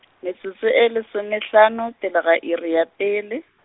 metsotso e lesomehlano, pele ga iri ya pele.